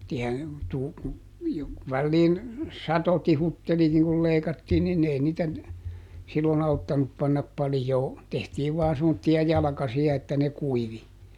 -- kun - väliin satoi tihutteli niin kun leikattiin niin ei niitä silloin auttanut panna paljoa tehtiin vain semmoisia jalkasia että ne kuivui